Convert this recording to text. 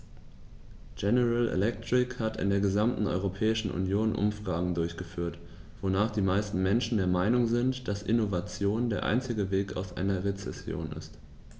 General Electric hat in der gesamten Europäischen Union Umfragen durchgeführt, wonach die meisten Menschen der Meinung sind, dass Innovation der einzige Weg aus einer Rezession ist.